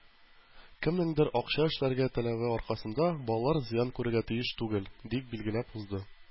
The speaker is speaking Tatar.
“кемнеңдер акча эшләргә теләве аркасында балалар зыян күрергә тиеш түгел”, - дип билгеләп узды.